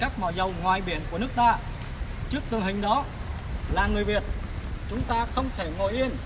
các mỏ dầu ngoài biển của nước ta trước tình hình đó là người việt chúng ta không thể ngồi yên